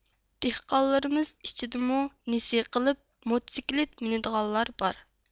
دېھقانلىرىمىز ئىچىدىمۇ نېسى قىلىپ موتسىكلىت مىنىدىغانلار بار